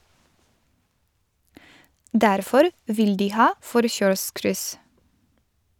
Derfor vil de ha forkjørskryss.